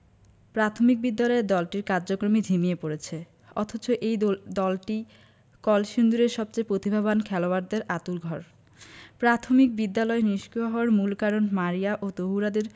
প্রাথমিক বিদ্যালয়ের দলটির কার্যক্রম ই ঝিমিয়ে পড়েছে অথচ এই দলটিই কলসিন্দুরের সবচেয়ে প্রতিভাবান খেলোয়াড়দের আঁতুড়ঘর প্রাথমিক বিদ্যালয় নিষ্কিয় হওয়ার মূল কারণ মারিয়া তহুরাদের